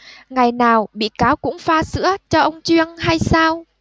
ngày nào bị cáo cũng pha sữa cho ông chuyên hay sao